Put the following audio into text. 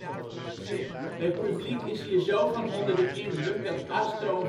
publiek is hier zo van onder de indruk dat Astro